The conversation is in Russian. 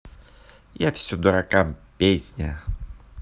я все дуракам песня